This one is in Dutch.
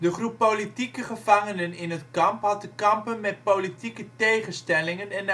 groep politieke gevangenen in het kamp had te kampen met politieke tegenstellingen en